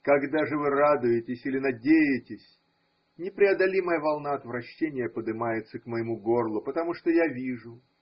Когда же вы радуетесь или надеетесь, непреодолимая волна отвращения подымается к моему горлу, потому что я вижу.